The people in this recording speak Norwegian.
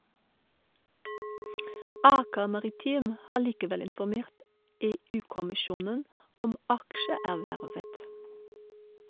Aker Maritime har likevel informert EU-kommisjonen om aksjeervervet.